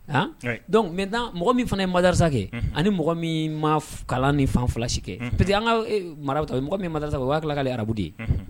Aa donc maintenant mɔgɔ min fana ye madarasa kɛ ani mɔgɔ min ma kalan nin fan fila si kɛ, parce que an ka maraw ta mɔgɔ min ye madarasa kɛ o hakili la k'ale ye arabu de ye